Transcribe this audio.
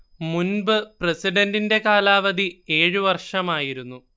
മുൻപ് പ്രസിഡന്റിന്റെ കാലാവധി ഏഴ് വർഷമായിരുന്നു